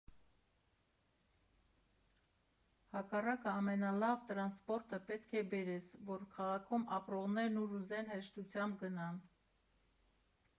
Հակառակը՝ ամենալավ տրանսպորտը պետք է բերես, որ քաղաքում ապրողներն ուր ուզեն, հեշտությամբ գնան։